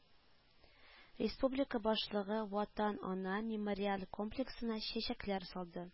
Республика башлыгы “Ватан-Ана” мемориаль комплексына чәчәкләр салды